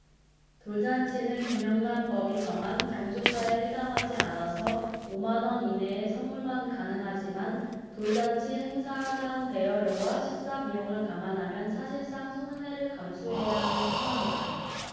돌잔치는 김영란법이 정한 경조사에 해당하지 않아서 오 만원 이내의 선물만 가능하지만 돌잔치 행사장 대여료와 식사비용을 감안하면 사실상 손해를 감수해야 하는 상황이다